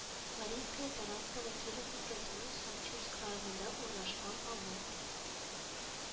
Марийское Тарасово Киров өлкәсенең Санчурск районында урнашкан авыл